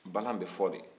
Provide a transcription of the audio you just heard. bala bɛ fɔ de